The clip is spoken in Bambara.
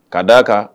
Ka d a kan